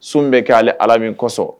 Sun bɛ kɛ ale Ala min kosɔn